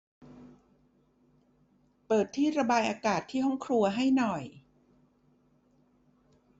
เปิดที่ระบายอากาศที่ห้องครัวให้หน่อย